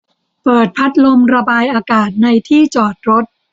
เปิดพัดลมระบายอากาศในที่จอดรถ